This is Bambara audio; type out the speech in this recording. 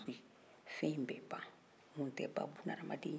mun tɛ ban buna hadamadenya o tɛ ban habada lezi